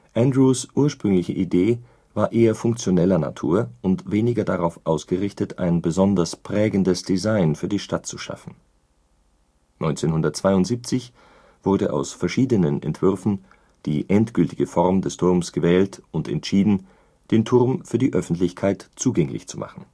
Andrews´ ursprüngliche Idee war eher funktioneller Natur und weniger darauf ausgerichtet, ein besonders prägendes Design für die Stadt zu schaffen. 1972 wurde aus verschiedenen Entwürfen die endgültige Form des Turms gewählt und entschieden, den Turm für die Öffentlichkeit zugänglich zu machen